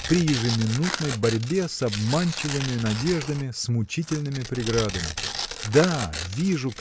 при ежеминутной борьбе с обманчивыми надеждами с мучительными преградами. Да вижу